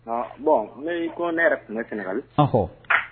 Aa bɔn ne ko ne yɛrɛ tun kɛnɛka sah